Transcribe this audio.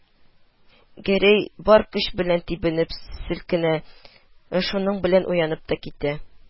Гәрәй бар көче белән тибенеп селкенә, шуның белән уянып та китә